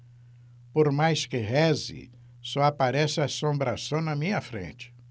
por mais que reze só aparece assombração na minha frente